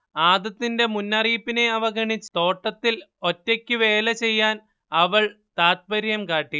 ആദത്തിന്റെ മുന്നറിയിപ്പിനെ അവഗണിച്ച് തോട്ടത്തിൽ ഒറ്റയ്ക്ക് വേലചെയ്യാൻ അവൾ താത്പര്യം കാട്ടി